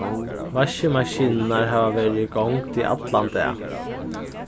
vaskimaskinurnar hava verið í gongd í allan dag